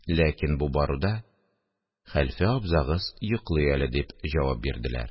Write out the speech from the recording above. Ләкин бу баруда: – Хәлфә абзагыз йоклый әле, – дип җавап бирделәр